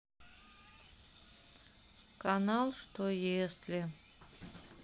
канал что если